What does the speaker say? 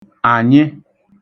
ànyị